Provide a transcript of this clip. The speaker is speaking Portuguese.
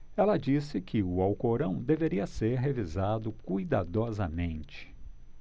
ela disse que o alcorão deveria ser revisado cuidadosamente